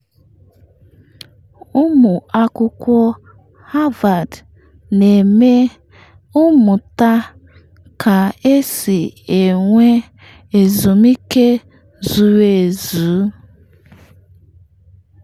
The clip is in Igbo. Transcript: Ụmụ akwụkwọ Harvard na-eme mmụta ka-esi enwe ezumike zuru ezu